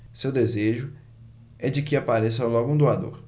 seu desejo é de que apareça logo um doador